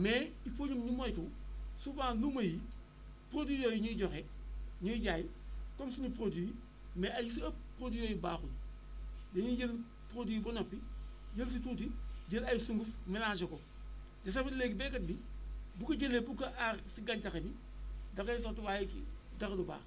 mais il faut ñu moytu souvent luuma yi produits yooyu énuy joxe ñuy jaay comme suñu produits yi mais ay yu si ëpp produits yooyu baaxul dañuy jël produit ba noppi jël si tuuti jël ay sunguf mélangé ko de ce fait léegi béykat bi bu ko jëlee pour que aar ci gàncax gi da koy sotti waaye ki dara du baax